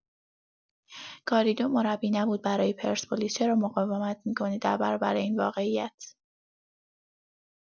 گاریدو مربی نبود برای پرسپولیس چرا مقاومت می‌کنید در برابر این واقعیت!